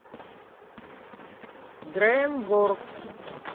dream works